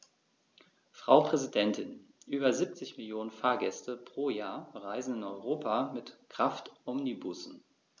Frau Präsidentin, über 70 Millionen Fahrgäste pro Jahr reisen in Europa mit Kraftomnibussen.